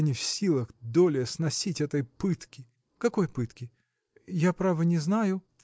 я не в силах долее сносить этой пытки. – Какой пытки? я, право, не знаю.